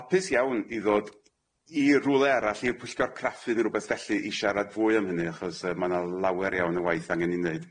Hapus iawn i ddod i rwle arall i'r Pwyllgor Craffu ne' rwbeth felly i sharad fwy am hynny achos yy ma' 'na lawer iawn o waith angen 'i neud.